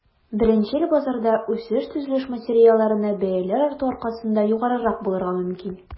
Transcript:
Беренчел базарда үсеш төзелеш материалларына бәяләр арту аркасында югарырак булырга мөмкин.